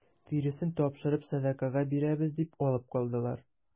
Тиресен тапшырып сәдакага бирәбез дип алып калдылар.